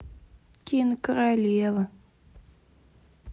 кино королева